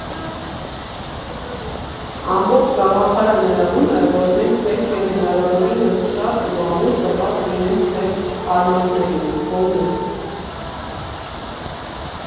Ամբողջ գաղափարը նրանում է, որ մենք պետք է հնարավորինս շատ ու ամուր կպած լինենք մեր արմատներին՝ հողին։